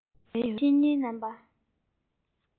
དགེ བའི བཤེས གཉེན རྣམ པ